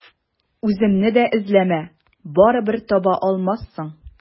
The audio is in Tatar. Үземне дә эзләмә, барыбер таба алмассың.